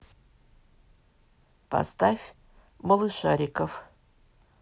поставь малышариков